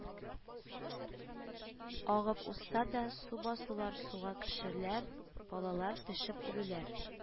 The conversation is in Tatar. Агып узса да, су басулар, суга кешеләр, балалар төшеп үлүләр